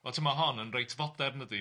Wel timod ma' hwn yn reit fodern dydi?